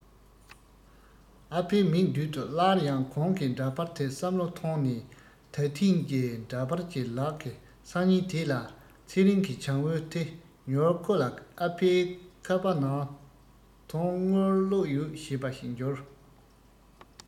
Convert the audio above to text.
ཨ ཕའི མིག མདུན དུ སླར ཡང གོང གི འདྲ པར དེ བསམ བློ ཐོངས ནས ད ཐེངས ཀྱི འདྲ པར གྱི ལག གི སང ཉིན དེ ལ ཚེ རིང གི བྱང བུའི དེ མྱུར ཁོ ལ ཨ ཕའི ཁ པར ནང དོན དངུལ བླུག ཡོད ཞེས པ ཞིག འབྱོར